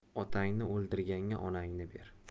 otangni o'ldirganga onangni ber